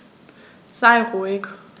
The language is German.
Sei ruhig.